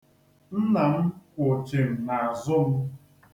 Nna m kwụ chim n'azụ m.